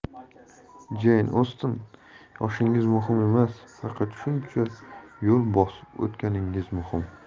jeyn ostin yoshingiz muhim emas faqat shuncha yo'l bosib o'tganingiz muhim